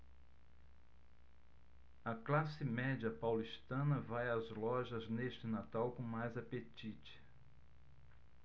a classe média paulistana vai às lojas neste natal com mais apetite